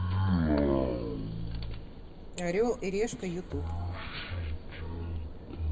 орел и решка ютуб